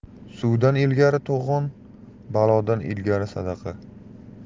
suvdan ilgari to'g'on balodan ilgari sadaqa